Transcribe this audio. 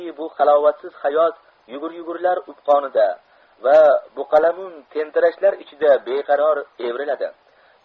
bu halovatsiz hayot yugur yugurlar o'pqonida va buqalamun tentirashlar ichida beqaror evriladi